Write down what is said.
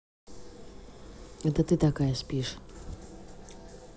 это ты такая спишь